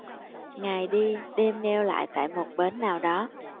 ngày đi đêm neo lại tại một bến nào đó